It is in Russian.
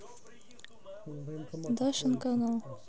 дашин канал